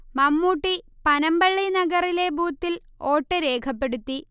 മമ്മൂട്ടി പനമ്പള്ളി നഗറിലെ ബൂത്തിൽ വോട്ട് രേഖപ്പെടുത്തി